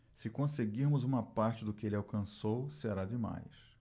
se conseguirmos uma parte do que ele alcançou será demais